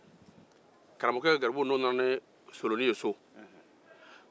kaarmogɔkɛ ni garbuw nana ni solonin ye so